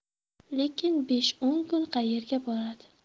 lekin besh o'n kun qaerga boradi